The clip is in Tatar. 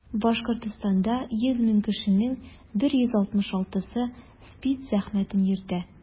Башкортстанда 100 мең кешенең 166-сы СПИД зәхмәтен йөртә.